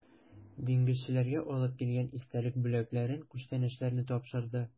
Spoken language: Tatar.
Диңгезчеләргә алып килгән истәлек бүләкләрен, күчтәнәчләрне тапшырды.